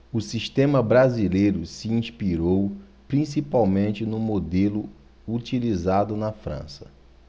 o sistema brasileiro se inspirou principalmente no modelo utilizado na frança